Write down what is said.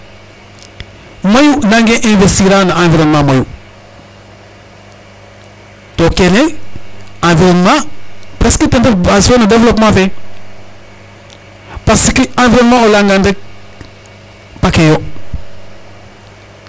Mayu nangee investir a no environnement mayu to kene environnement presque ten ref base no environnement ndiiki parce que environnement o layangaan rek paquet yo.